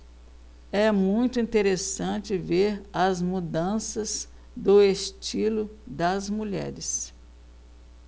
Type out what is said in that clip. é muito interessante ver as mudanças do estilo das mulheres